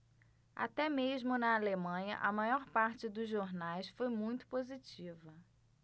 até mesmo na alemanha a maior parte dos jornais foi muito positiva